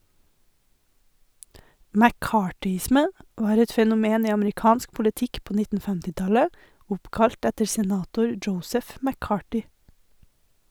«McCarthyisme» var et fenomen i amerikansk politikk på 1950-tallet, oppkalt etter senator Joseph McCarthy.